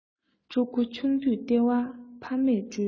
ཕྲུ གུ ཆུང དུས ལྟེ བ ཕ མས སྒྲོལ